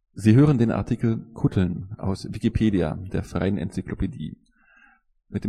Sie hören den Artikel Kutteln, aus Wikipedia, der freien Enzyklopädie. Mit